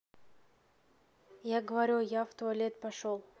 я говорю я в туалет пошел